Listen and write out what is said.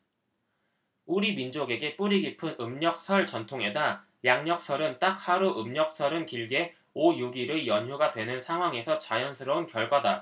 우리 민족에게 뿌리깊은 음력 설 전통에다 양력 설은 딱 하루 음력 설은 길게 오 육 일의 연휴가 되는 상황에서 자연스러운 결과다